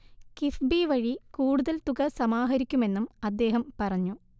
കിഫ്ബി വഴി കൂടുതൽ തുക സമാഹരിക്കുമെന്നും അദ്ദേഹം പറഞ്ഞു